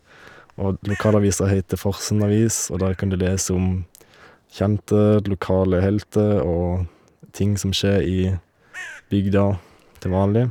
Og d lokalavisa heiter Farsund Avis, og der kan du lese om kjente lokale helter og ting som skjer i bygda til vanlig.